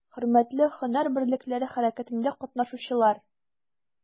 Хөрмәтле һөнәр берлекләре хәрәкәтендә катнашучылар!